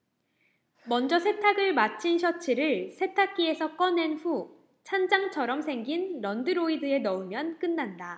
먼저 세탁을 마친 셔츠를 세탁기에서 꺼낸 후 찬장처럼 생긴 런드로이드에 넣으면 끝난다